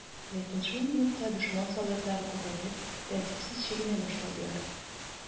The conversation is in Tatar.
Ләкин шул минутта дошман солдатлары күтәрелеп, тәртипсез чигенә башладылар.